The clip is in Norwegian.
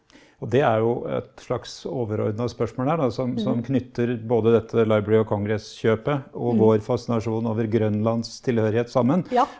det er jo et slags overordna spørsmål her da som som knytter både dette Library of Congress-kjøpet og vår fasinasjon over Grønlands tilhørighet sammen.